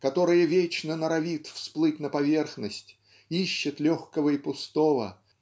которое вечно норовит всплыть на поверхность ищет легкого и пустого